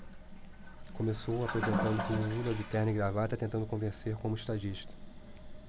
começou apresentando um lula de terno e gravata tentando convencer como estadista